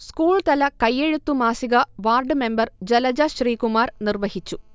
സ്കൂൾതല കയെഴുത്തു മാസിക ward member Jalaja Sreekumar നിർവഹിച്ചു